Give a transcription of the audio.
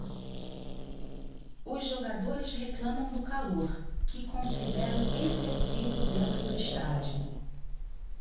os jogadores reclamam do calor que consideram excessivo dentro do estádio